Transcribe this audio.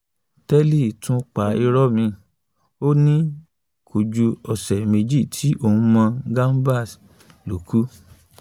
Tellis tún pa irọ́ mìíì. Ó ní kòju ọ̀sẹ̀ méjì tí òun mọ Chambers ló kú.